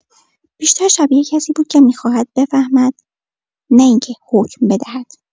بیشتر شبیه کسی بود که می‌خواهد بفهمد، نه این‌که حکم بدهد.